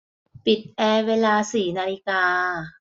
ปิดแอร์เวลาสี่นาฬิกา